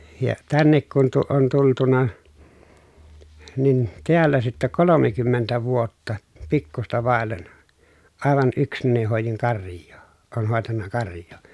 ja tänne kun - on tultu niin täällä sitten kolmekymmentä vuotta pikkuista vaille aivan yksinäni hoidin karjaa olen hoitanut karjaa